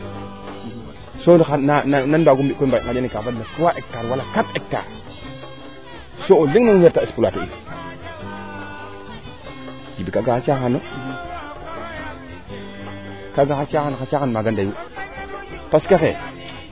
so nam nu mbaagu mbi koy bo ŋanjanel kaa fadna trois hectare wala quatre hectare so leŋ ne reta exploiter in me kaaga xa calaano kaaga xa caaxan maaga ndeyu parce que xaye